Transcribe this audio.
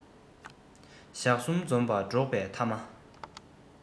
ཞག གསུམ འཛོམས པ འགྲོགས པའི ཐ མ